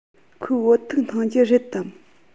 ཁོས བོད ཐུག འཐུང རྒྱུ རེད དམ